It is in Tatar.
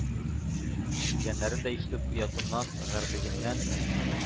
— дигәннәрен дә ишетеп, оятымнан, гарьлегемнән